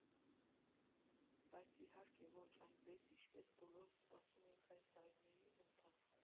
Բայց, իհարկե, ոչ այնպես, ինչպես բոլորս սպասում էինք այս տարիների ընթացքում։